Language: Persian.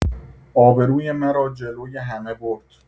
آبروی مرا جلوی همه برد.